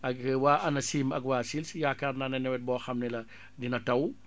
ak waa ANACIM ak waa CILS yaakaar naa ne nawet boo xam ne la dina taw